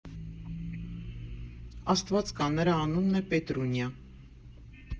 Աստված կա, նրա անունն է Պետրունյա։